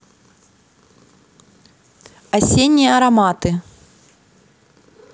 осенние ароматы